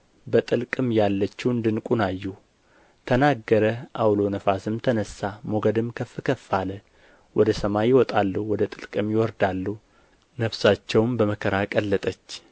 በጥልቅም ያለችውን ድንቁን አዩ ተናገረ ዐውሎ ነፋስም ተነሣ ሞገድም ከፍ ከፍ አለ ወደ ሰማይ ይወጣሉ ወደ ጥልቅም ይወርዳሉ ነፍሳቸውም በመከራ ቀለጠች